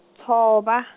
tshova.